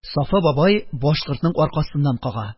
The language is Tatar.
Сафа бабай башкортның аркасыннан кага: